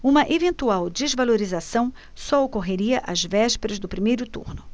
uma eventual desvalorização só ocorreria às vésperas do primeiro turno